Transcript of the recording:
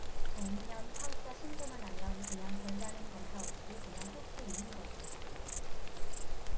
정문현 사업자 신고만 하면 그냥 별다른 검사 없이 그냥 할 수 있는 거죠